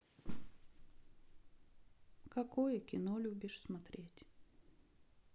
какое кино любишь смотреть